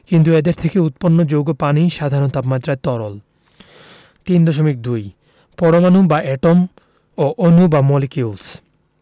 কিন্তু এদের থেকে উৎপন্ন যৌগ পানি সাধারণ তাপমাত্রায় তরল ৩.২ পরমাণু বা এটম ও অণু বা মলিকিউলস